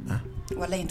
Han walahi n t